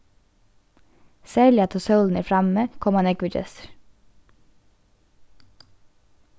serliga tá sólin er frammi koma nógvir gestir